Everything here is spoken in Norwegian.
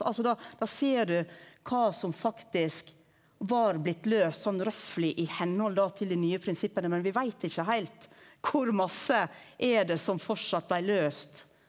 altså da da ser du kva som faktisk var blitt løyst sånn røffly i høve da til dei nye prinsippa men vi veit ikkje heilt kor masse er det som framleis blei løyst.